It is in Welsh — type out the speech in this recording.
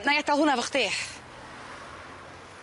N- nâi adal hwnna efo chdi.